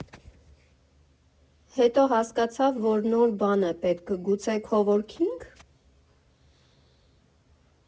Հետո հասկացավ, որ նոր բան է պետք՝ գուցե քո֊վորքի՞նգ։